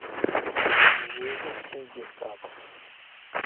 жизнь синдикат